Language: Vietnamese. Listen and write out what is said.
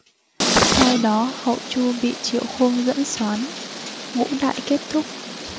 sau đó hậu chu bị triệu khuông dẫn soán ngũ đại kết thúc